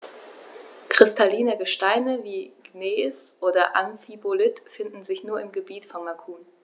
Kristalline Gesteine wie Gneis oder Amphibolit finden sich nur im Gebiet von Macun.